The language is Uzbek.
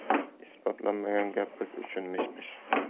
isbotlanmagan gap biz uchun mish mish